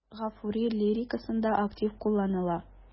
Гафури лирикасында актив кулланыла.